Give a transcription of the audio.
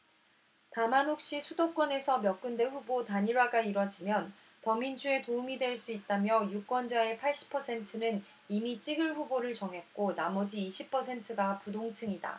다만 혹시 수도권에서 몇 군데 후보 단일화가 이뤄지면 더민주에 도움이 될 수 있다며 유권자의 팔십 퍼센트는 이미 찍을 후보를 정했고 나머지 이십 퍼센트가 부동층이다